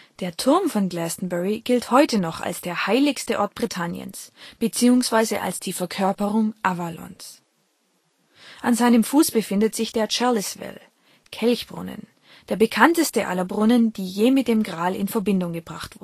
Der Turm von Glastonbury gilt heute noch als der heiligste Ort Britanniens bzw. als die Verkörperung Avalons. An seinem Fuß befindet sich der Chalice Well (Kelchbrunnen), der bekannteste aller Brunnen, die je mit dem Gral in Verbindung gebracht